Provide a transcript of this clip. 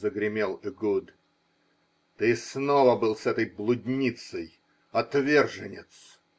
-- загремел Эгуд, -- ты снова был с этой блудницей! Отверженец!